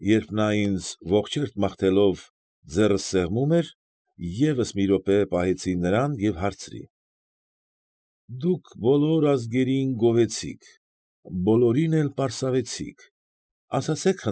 Երբ նա ինձ ողջերթ մաղթելով, ձեռքս սեղմում էր, ես մի րոպե պահեցի նրան և հարցրի. ֊ Դուք բոլոր ազգերին գովերգեցիք, բոլորին էլ պարսավեցիք, ասացեք։